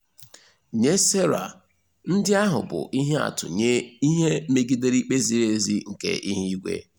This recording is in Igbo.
Nye Sarah, ndị ahụ bụ ihe atụ nye "ihe megidere ikpe ziri ezi nke ihu igwe".